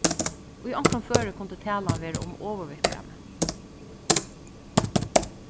í onkrum føri kundi talan vera um ovurviðkvæmi